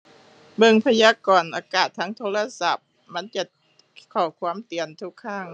เบิ่งพยากรณ์อากาศทางโทรศัพท์ มันจะข้อความเตือนทุกครั้ง